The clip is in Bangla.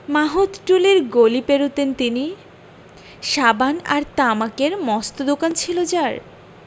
মাহুতটুলির গলি পেরুতেন তিনি সাবান আর তামাকের মস্ত দোকান ছিল যার